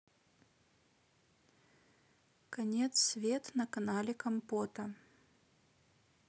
конец свет на канале компота